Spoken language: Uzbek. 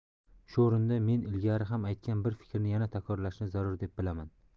shu o'rinda men ilgari ham aytgan bir fikrni yana takrorlashni zarur deb bilaman